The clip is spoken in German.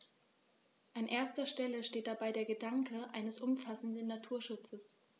An erster Stelle steht dabei der Gedanke eines umfassenden Naturschutzes.